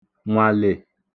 nwàlè